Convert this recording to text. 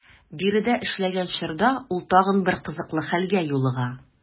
Биредә эшләгән чорда ул тагын бер кызыклы хәлгә юлыга.